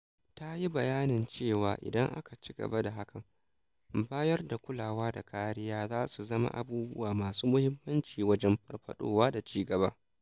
Ta yi bayanin cewa idan aka cigaba da hakan, bayar da kulawa da kariya za su zama abubuwa masu muhimmanci wajen farfaɗowa da cigaba.